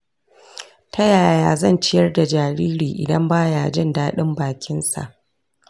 ta yaya zan ciyar da jariri idan baya jin dadin bakinsa?